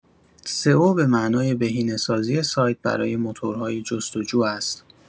سئو به معنای بهینه‌سازی سایت برای موتورهای جست‌وجو است.